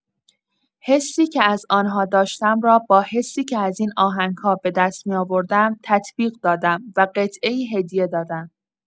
حسی که از آن‌ها داشتم را با حسی که از این آهنگ‌ها به دست می‌آوردم تطبیق دادم و قطعه‌ای هدیه دادم.